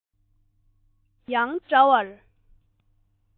བློ ཕངས བ དང ཡང འདྲ བར